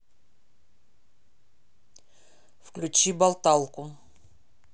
включи болталку